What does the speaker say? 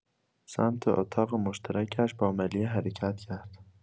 سمت اتاق مشترکش با ملیحه حرکت کرد.